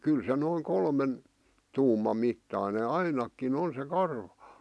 kyllä se noin kolmen tuuman mittainen ainakin on se karva